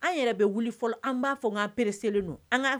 An yɛrɛ bɛ wuli an b'a fɔ peeres